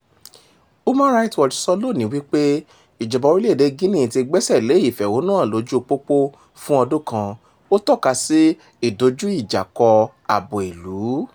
Human Rights Watch sọ lónìí wípé, ìjọba orílẹ̀-èdèe Guinea ti gbẹ́sẹ̀ lé ìfèhònúhàn l'ójúu pópó fún ọdún kan, ó tọ́ka sí ìdojú-ìjà-kọ ààbò ìlú.